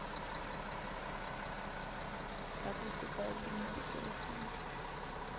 как выступают гимнастки россии